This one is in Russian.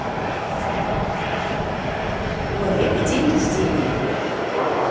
у олега день рождения